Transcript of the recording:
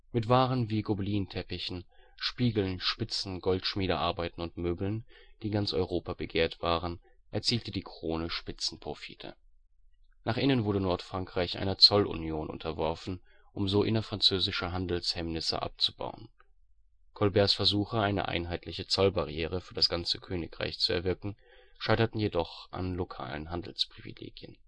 Mit Waren wie Gobelinteppichen, Spiegeln, Spitzen, Goldschmiedearbeiten und Möbeln, die in ganz Europa begehrt waren, erzielte die Krone Spitzenprofite. Nach Innen wurde Nordfrankreich einer Zollunion unterworfen, um so innerfranzösische Handelshemmnisse abzubauen. Colberts Versuche, eine einheitliche Zollbarriere für das ganze Königreich zu erwirken, scheiterten jedoch an lokalen Handelsprivilegien